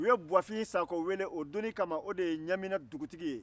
u ye buwafin sakɔ wele o donnin ka ma ale de ye ɲiamina dugutigi ye